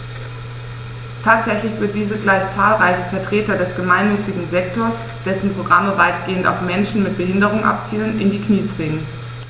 Tatsächlich wird dies gleich zahlreiche Vertreter des gemeinnützigen Sektors - dessen Programme weitgehend auf Menschen mit Behinderung abzielen - in die Knie zwingen.